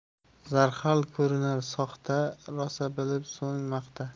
zarhal ko'rinar soxta rosa bilib so'ng maqta